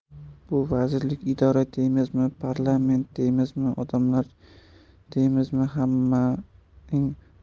bu vazirlik idora deymizmi parlament deymizmi odamlar